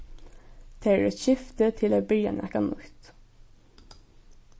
tað er eitt skifti til at byrja nakað nýtt